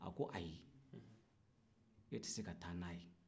a ko ayi e tɛ se ka taa n'a ye